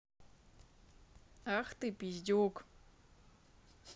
ах ты пиздюк